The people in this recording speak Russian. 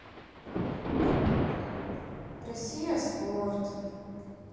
россия спорт